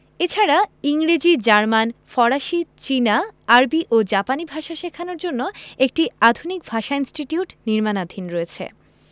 এছাড়া ইংরেজি জার্মান ফরাসি চীনা আরবি ও জাপানি ভাষা শেখানোর জন্য একটি আধুনিক ভাষা ইনস্টিটিউট নির্মাণাধীন রয়েছে